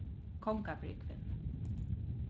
kongabrúgvin